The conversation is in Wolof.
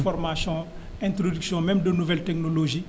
formation introduction même de nouvelle technologies